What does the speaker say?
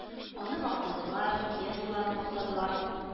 Аны мактадылар, пьесаларын мактадылар